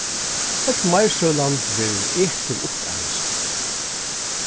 øll meirsølan verður etin upp av hesum